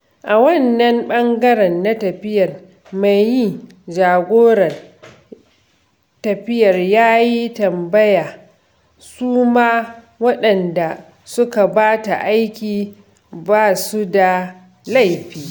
A wannan ɓangaren na tafiyar, mai yi jagorar tafiyar ya yi tambaya: su ma waɗanda suka ba ta aiki ba su da laifi?